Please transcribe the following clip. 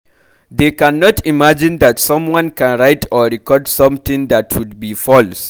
They cannot imagine that someone can write or record something that could be false.